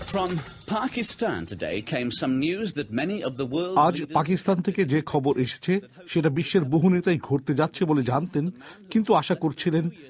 from Pakistan today came some news that many of the world আজ পাকিস্তান থেকে যে খবর এসেছে সেটা বিশ্বের বহু নেতাই ঘটতে যাচ্ছে বলে জানতেন কিন্তু আশা করছিলেন